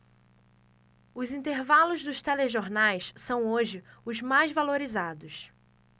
os intervalos dos telejornais são hoje os mais valorizados